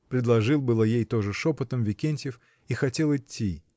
— предложил было ей, тоже шепотом, Викентьев и хотел идти.